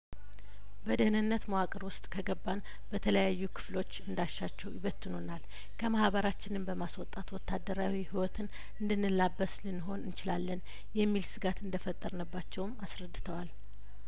በደህንነት መዋቅር ውስጥ ከገባን በተለያዩ ክፍሎች እንዳሻቸው ይበትኑናል ከማህበራችንም በማስወጣት ወታደራዊ ህይወትን እንድንላበስ ልንሆን እንችላለን የሚል ስጋት እንደፈጠርንባቸውም አስረድተዋል